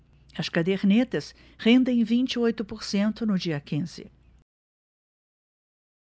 as cadernetas rendem vinte e oito por cento no dia quinze